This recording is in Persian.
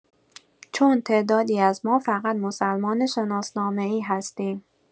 چون تعدادی از ما فقط مسلمان شناسنامه‌ای هستیم